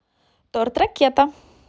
торт ракета